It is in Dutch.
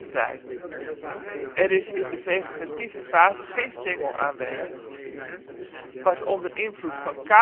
prei. Er is in de vegetatieve fase geen stengel aanwezig. Pas onder invloed van kou